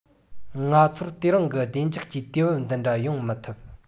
ང ཚོར དེ རིང གི བདེ འཇགས ཀྱི དུས བབ འདི འདྲ ཡོང མི ཐུབ